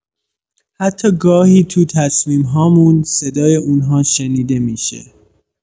حتی گاهی تو تصمیم‌هامون، صدای اون‌ها شنیده می‌شه.